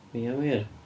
Ia wir?